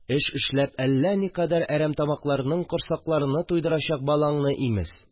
Эш эшләп әллә никадәр әрәмтамакларның корсакларыны туйдырачак балаңны имез